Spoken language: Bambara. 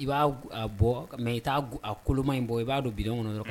I b'a bɔ mɛ i taa a koloma in bɔ i b'a don bila bulon kɔnɔ yɔrɔ